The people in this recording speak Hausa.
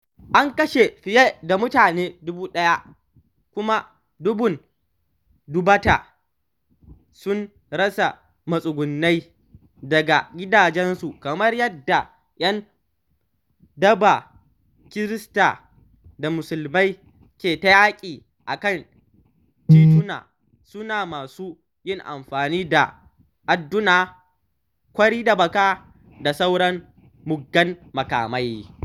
An kashe fiye da mutane 1,000 kuma dubun-dubata sun rasa matsugunai daga gidajensu kamar yadda ‘yan daba Kirista da Musulmai ke ta yaƙi a kan tituna, suna masu yin amfani da adduna, kwari da baka, da sauran muggan makamai.